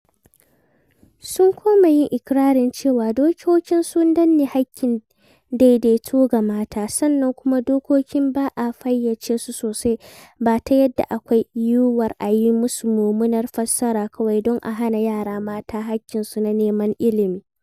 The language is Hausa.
Sun kuma yi iƙirarin cewa dokokin sun danne haƙƙin daidaito ga mata, sannan kuma dokokin ba a fayyace su sosai ba ta yadda akwai yiwuwar a yi musu mummunar fassara kawai don a hana yara mata haƙƙinsu na neman ilimi.